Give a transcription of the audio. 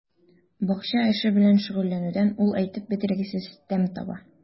Бакча эше белән шөгыльләнүдән ул әйтеп бетергесез тәм таба.